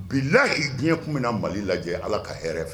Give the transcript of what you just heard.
Bi lahi diɲɛ tun bɛ na mali lajɛ ala ka hɛrɛ fɛ